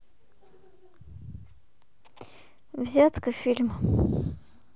взятка фильм